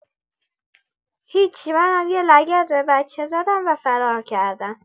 هیچی منم یه لگد به بچه زدم و فرار کردم!